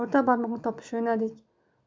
o'rta barmoqni topish o'ynadik